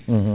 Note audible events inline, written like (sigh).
(hesitation) (hesitation)